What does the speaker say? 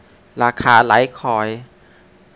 ราคาไลท์คอยน์